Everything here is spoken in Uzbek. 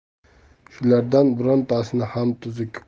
shulardan birontasini ham tuzuk